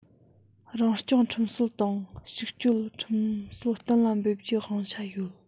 རང སྐྱོང ཁྲིམས སྲོལ དང གཅིག སྤྱོད ཁྲིམས སྲོལ གཏན ལ འབེབས རྒྱུའི དབང ཆ ཡོད